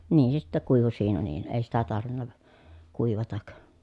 niin se sitten kuivui siinä niin ei sitä tarvinnut kuivata